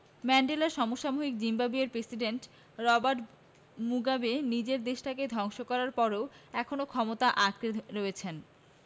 ম্যান্ডেলার সমসাময়িক জিম্বাবুয়ের প্রেসিডেন্ট রবার্ট মুগাবে নিজের দেশটাকে ধ্বংস করার পরও এখনো ক্ষমতা আঁকড়ে রয়েছেন